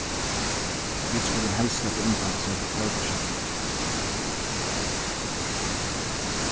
vit skulu helst sleppa undan at seta forboðsskelti upp